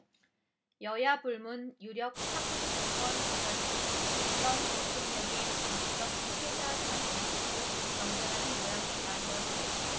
여야 불문 유력 차기 대권주자들이 김 전 대통령의 정치적 후계자 자리를 놓고 경쟁하는 모양새가 이어지고 있다